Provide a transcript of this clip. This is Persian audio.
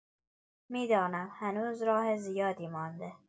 می‌دانم هنوز راه زیادی مانده.